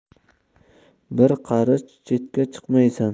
bir qarich chetga chiqmaysan